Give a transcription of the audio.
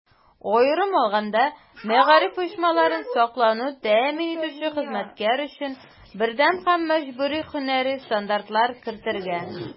Аерым алганда, мәгариф оешмаларын саклауны тәэмин итүче хезмәткәр өчен бердәм һәм мәҗбүри һөнәри стандартлар кертергә.